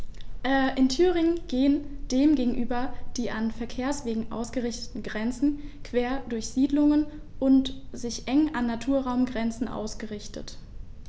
In Thüringen gehen dem gegenüber die an Verkehrswegen ausgerichteten Grenzen quer durch Siedlungen und sind eng an Naturraumgrenzen ausgerichtet.